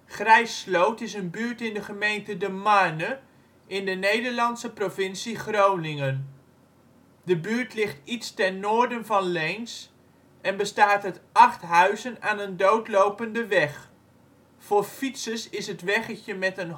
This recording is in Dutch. Grijssloot is een buurt in de gemeente De Marne in de Nederlandse provincie Groningen. De buurt ligt iets ten noorden van Leens en bestaat uit acht huizen aan een doodlopende weg. Voor fietsers is het weggetje met een